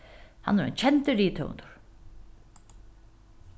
hann er ein kendur rithøvundur